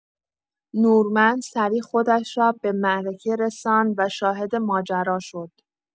نورمن سریع خودش را به معرکه رساند و شاهد ماجرا شد.